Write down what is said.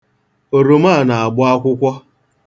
Oroma a na-agbụ akwụkwọ.